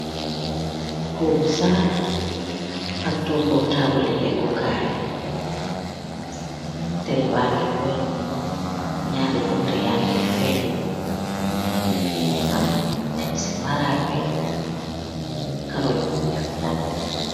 Tohgu saal ak tohgoh taabuli lehkor kaii, tele bangy fengh, njaari bunta yaangeh fengh, amna yungh aahjj cii marajj bii, kaaroh yu wekh yangy fengh.